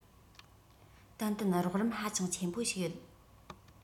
ཏན ཏན རོགས རམ ཧ ཅང ཆེན པོ ཞིག ཡོད